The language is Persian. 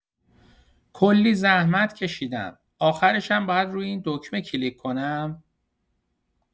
کلی زحمت کشیدم، آخرشم باید روی این دکمه کلیک کنم؟